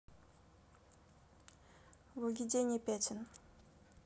выведение пятен